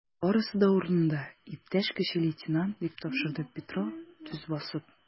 Барысы да урынында, иптәш кече лейтенант, - дип тапшырды Петро, төз басып.